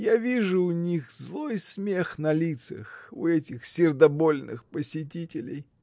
Я вижу у них злой смех на лицах, у этих сердобольных посетителей!.